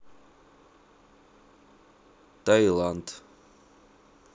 таиланд